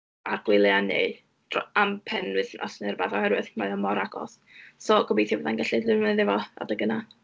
ar gwyliau neu dr-... am penwythnos neu rwbath oherwydd mae o mor agos. So gobeithio fydda i'n gallu defnyddio fo adeg yna.